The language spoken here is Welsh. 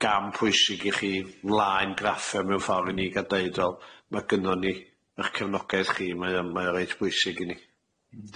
gam pwysig i chi laen graffu mewn ryw ffor i ni ga'l deud wel, ma' gynno ni ych cefnogaeth chi mae o mae o reit pwysig i ni.